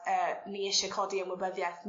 yy ni isie codi ymwybyddieth